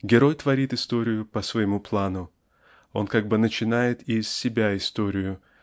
Герой творит историю по своему плану он как бы начинает из себя историю